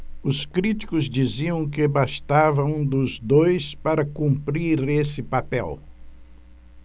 os críticos diziam que bastava um dos dois para cumprir esse papel